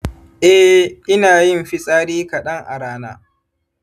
eh, ina yin fitsari kaɗan a rana